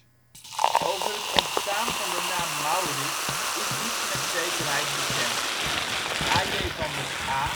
Over het ontstaan van de naam Maurik is niets met zekerheid bekend. A.J. van der Aa